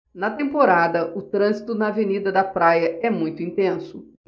na temporada o trânsito na avenida da praia é muito intenso